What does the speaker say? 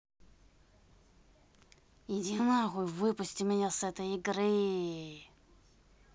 иди нахуй выпусти меня с этой игры